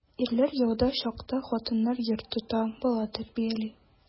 Ирләр яуда чакта хатыннар йорт тота, бала тәрбияли.